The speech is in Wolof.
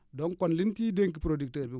donc kon li ñu ciy dénk producteur bi